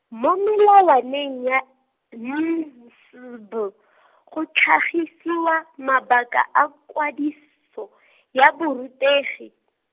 mo melawaneng ya N S B , go tlhagisiwa mabaka a kwadis- -so , ya borutegi.